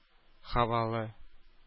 Һавалы